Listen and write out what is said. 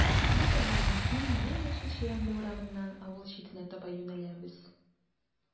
Без авылның киң, ямь-яшел чирәмле урамыннан авыл читенә таба юнәләбез.